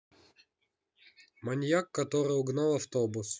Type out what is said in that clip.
маньяк который угнал автобус